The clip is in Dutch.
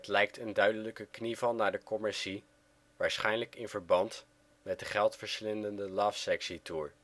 lijkt een duidelijke knieval naar de commercie, waarschijnlijk in verband met de geldverslindende Lovesexy Tour